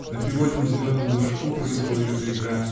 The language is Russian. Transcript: На привольном зеленом лужку происходит эта игра.